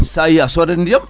sa yeeyi a soodat ndiyam